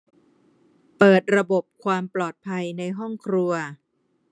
เปิดระบบความปลอดภัยในครัว